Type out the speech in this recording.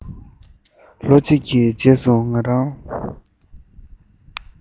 ལོ གཅིག གི རྗེས སུ ང རང